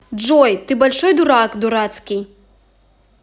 джой ты большой дурак дурацкий